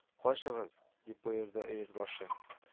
Качыгыз! — дип боерды Өербашы